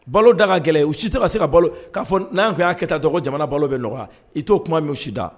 Balo da ka gɛlɛ u si tɛ ka se ka balo k'a n'a y'a kɛ taa dɔgɔ jamana balo bɛ nɔgɔya i t'o kuma min sida